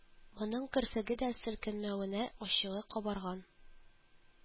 Моның керфеге дә селкенмәвенә ачуы кабарган